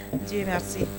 Diɲɛ se